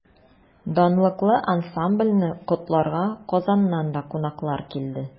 Данлыклы ансамбльне котларга Казаннан да кунаклар килде.